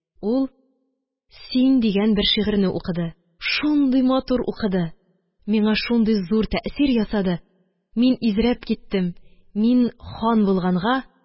Ул «Син» дигән бер шигырьне укыды, шундый матур укыды, миңа шундый зур тәэсир ясады, мин изрәп киттем, мин хан булганга: